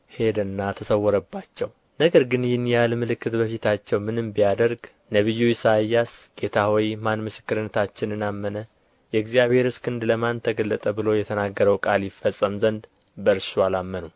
ሄደና ተሰወረባቸው ነገር ግን ይህን ያህል ምልክት በፊታቸው ምንም ቢያደርግ ነቢዩ ኢሳይያስ ጌታ ሆይ ማን ምስክርነታችንን አመነ የእግዚአብሔርስ ክንድ ለማን ተገለጠ ብሎ የተናገረው ቃል ይፈጸም ዘንድ በእርሱ አላመኑም